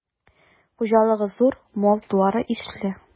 Хуҗалыгы зур, мал-туары ишле.